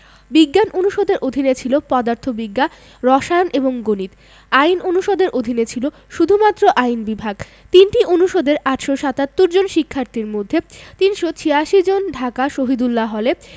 বিজ্ঞান অনুষদের অধীনে ছিল পদার্থবিদ্যা রসায়ন এবং গণিত আইন অনুষদের অধীনে ছিল শুধুমাত্র আইন বিভাগ ৩টি অনুষদের ৮৭৭ জন শিক্ষার্থীর মধ্যে ৩৮৬ জন ঢাকা শহীদুল্লাহ হলে